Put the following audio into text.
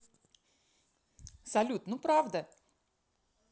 салют ну правда